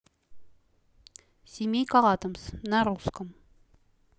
семейка адамс на русском